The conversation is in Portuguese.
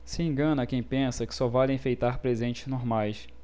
se engana quem pensa que só vale enfeitar presentes normais